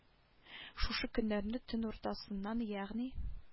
Шушы көннәрне төн уртасыннан ягъни